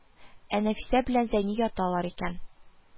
Ә, Нәфисә белән Зәйни яталар икән